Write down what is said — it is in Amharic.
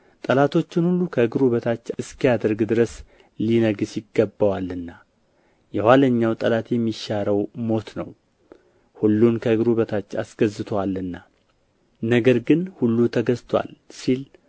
ጠላቶቹን ሁሉ ከእግሩ በታች እስኪያደርግ ድረስ ሊነግሥ ይገባዋልና የኋለኛው ጠላት የሚሻረው ሞት ነው ሁሉን ከእግሩ በታች አስገዝቶአልና ነገር ግን ሁሉ ተገዝቶአል ሲል